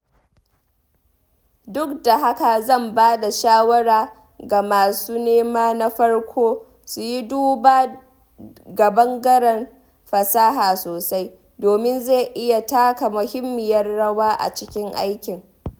Duk da haka, zan ba da shawara ga masu nema na farko su yi duba ga ɓangaren fasaha sosai, domin zai iya taka muhimmiyar rawa a cikin aikin.